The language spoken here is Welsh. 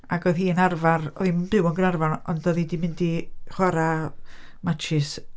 Ac oedd hi'n arfer... oedd hi'm yn byw yn Gaernarfon, ond oedd hi 'di mynd i chwarae matshis...